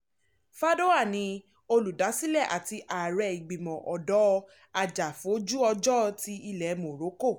Fadoua ni olùdásílẹ̀ àti ààrẹ Ìgbìmọ̀ Ọ̀dọ́ Ajàfòjú-ọjọ́ ti ilẹ̀ Morocco.